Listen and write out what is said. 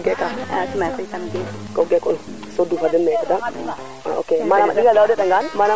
ankay ka i njegan de ga iro maana maana ka ɓera ka ɓera mu refna ka ɓara ma